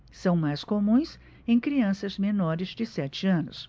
são mais comuns em crianças menores de sete anos